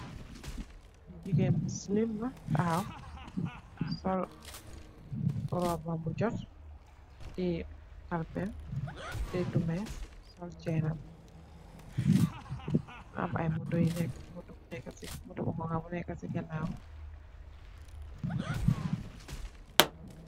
Jigéen bu slim la tahaw, sol robba bu jot, tè calpeh, letu mess, sol chen nab. am ay moto yu nekka ak Moto bu hokha ci gannawam.